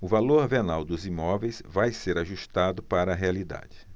o valor venal dos imóveis vai ser ajustado para a realidade